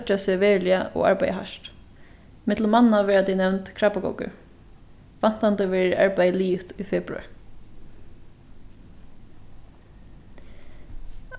toyggja seg veruliga og arbeiða hart millum manna vera tey nevnd krabbagoggur væntandi verður arbeiðið liðugt í februar